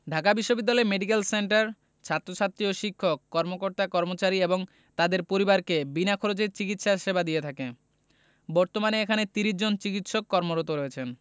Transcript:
ঢাকা বিশ্ববিদ্যালয় medical centre ছাত্রছাত্রী ও শিক্ষক কর্মকর্তাকর্মচারী এবং তাদের পরিবারকে বিনা খরচে চিকিৎসা সেবা দিয়ে থাকে বর্তমানে এখানে ৩০ জন চিকিৎসক কর্মরত রয়েছেন